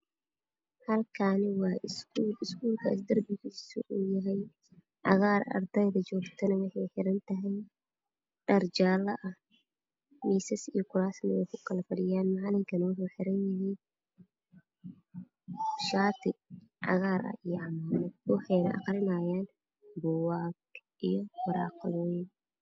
Halkani waa iskuul iskuul kan derbigiisu yahay cadaan arday joogtana ay xiran tahay dhar jaalo ah miisas iyo koraas ayey ku kala fadhiyaan macalinkana waxa uu xiran yahay shaati cagaar ah iyo canbo waxayna aqrinaayaan bookag Iyo waraa qadooyin